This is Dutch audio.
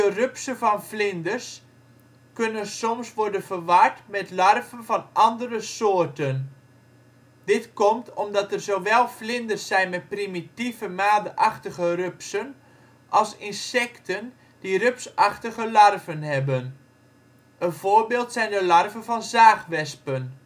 rupsen van vlinders kunnen soms worden verward met larven van andere soorten. Dit komt omdat er zowel vlinders zijn met primitieve, made-achtige rupsen als insecten die rups-achtige larven hebben, een voorbeeld zijn de larven van zaagwespen